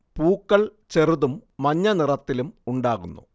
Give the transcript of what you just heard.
പൂക്കൾ ചെറുതും മഞ്ഞ നിറത്തിലും ഉണ്ടാകുന്നു